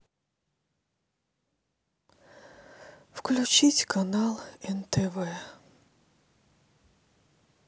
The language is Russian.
включить канал нтв